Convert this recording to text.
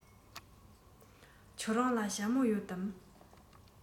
ཁྱོད རང ལ ཞྭ མོ ཡོད དམ